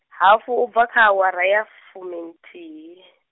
hafu u bva kha awara ya fuminthihi.